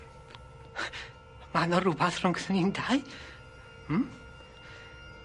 Ma' 'na rwbath rhwngthon ni'n dau? Hmm?